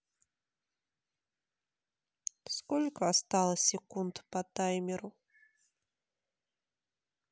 сколько осталось секунд по таймеру